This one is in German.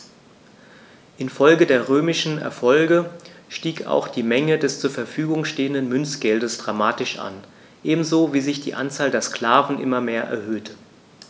Infolge der römischen Erfolge stieg auch die Menge des zur Verfügung stehenden Münzgeldes dramatisch an, ebenso wie sich die Anzahl der Sklaven immer mehr erhöhte.